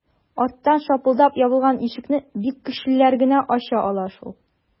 Арттан шапылдап ябылган ишекне бик көчлеләр генә ача ала шул...